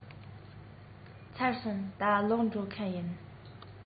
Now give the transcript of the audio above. ཚར སོང ད ལོག འགྲོ མཁན ཡིན